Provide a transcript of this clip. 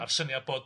Ma'r syniad bod